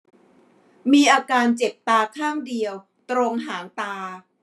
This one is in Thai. มีอาการเจ็บตาข้างเดียวตรงหางตา